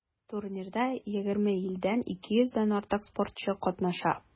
Турнирда 20 илдән 200 дән артык спортчы катнаша.